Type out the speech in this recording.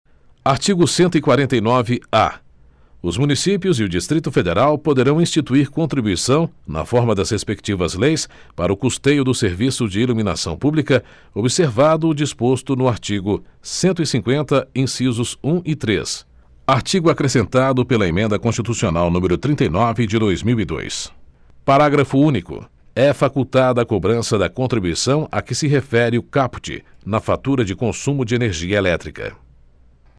artigo cento e quarenta e nove a os municípios e o distrito federal poderão instituir contribuição na forma das respectivas leis para o custeio do serviço de iluminação pública observado o disposto no artigo cento e cinquenta incisos um e três artigo acrescentado pela emenda constitucional número trinta e nove de dois mil e dois parágrafo único é facultada a cobrança da contribuição a que se refere o caput na fatura de consumo de energia elétrica